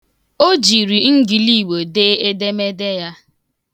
O jiri ngiliigbo dee edemede ya.